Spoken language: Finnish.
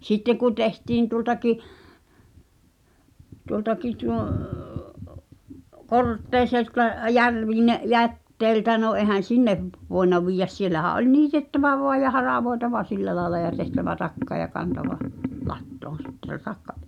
sitten kun tehtiin tuoltakin tuoltakin - Kortteiselta - jätteiltä no eihän sinne voinut viedä siellähän oli niitettävä vain ja haravoitava sillä lailla ja tehtävä takka ja kannettava latoon sitten se takka